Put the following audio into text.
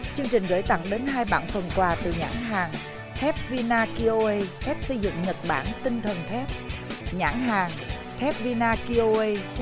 chương trình gửi tặng đến hai bảng phần qua từ nhãn hàng thép vi na ki ô uây thép xây dựng nhật bản tinh thần thép nhãn hàng thép vi na ki ô uây thép